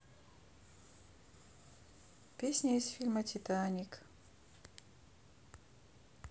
песня из фильма титаник